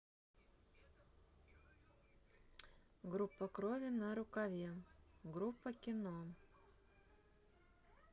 группа крови на рукаве группа кино